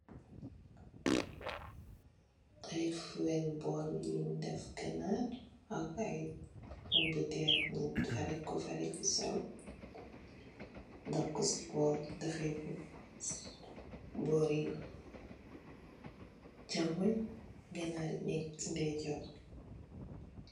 Aye fowel bowl yun def ganar ak aye pompeterr nu ferrege ku ferrege yu seew def ku se bowl deffe ku se bore chamung ganar ye neke se ndeyjorr.